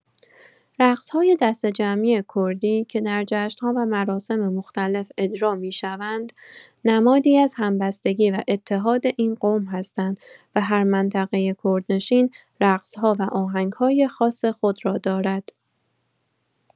رقص‌های دسته‌جمعی کردی که در جشن‌ها و مراسم مختلف اجرا می‌شوند، نمادی از همبستگی و اتحاد این قوم هستند و هر منطقه کردنشین رقص‌ها و آهنگ‌های خاص خود را دارد.